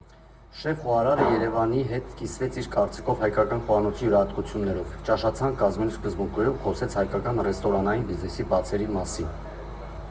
Շեֆ֊խոհարարը ԵՐԵՎԱՆի հետ կիսվեց իր կարծիքով հայկական խոհանոցի յուրահատկություններով, ճաշացանկ կազմելու սկզբունքներով և խոսեց հայկական ռեստորանային բիզնեսի բացերի մասին։